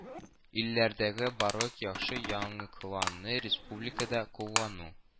Илләрдәге барлык яхшы яңалыкланы республикада куллану